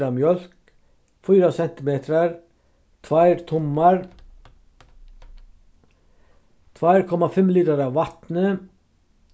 av mjólk fýra sentimetrar tveir tummar tveir komma fimm litrar av vatni